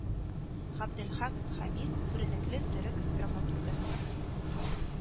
Габделхак Хәмид күренекле төрек драматургы